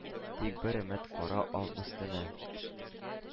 Тик бер өмит: кара август төне